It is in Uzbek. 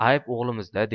ayb o'g'limizda